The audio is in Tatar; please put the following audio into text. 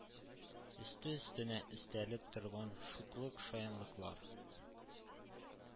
Өсте-өстенә өстәлеп торган шуклык-шаянлыклар,